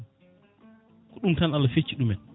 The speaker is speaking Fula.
ko ɗum tan Allah fecci ɗumen